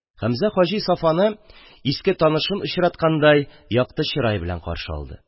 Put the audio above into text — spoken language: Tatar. Хәмзә хаҗи Сафаны иске танышын очраткандай якты чырай белән каршы алды